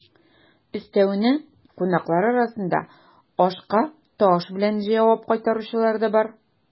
Өстәвенә, кунаклар арасында ашка таш белән җавап кайтаручылар да бар.